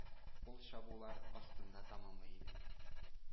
Кул чабулар астында тәмамлый иде.